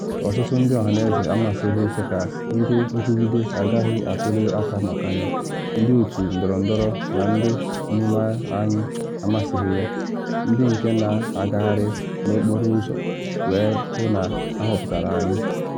‘Ọtụtụ ndị ọhaneze amasịghị Chequers, Ndị Nkwugide agaghị atuli aka maka ya, ndị otu ndọrọndọrọ na ndị mmume anyị amasịghi ya, ndị nke na agagharị n’okporo ụzọ wee hụ na ahọpụtara anyị.